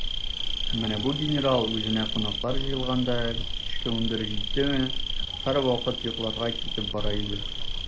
Менә бу генерал, үзенә кунаклар җыелганда, кичке унбер җиттеме, һәрвакыт йокларга китеп бара иде.